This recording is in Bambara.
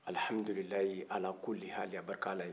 alhamdulillah ala kulli hal a barika ala ye